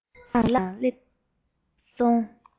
བདེ བླག ངང སླེབས སོང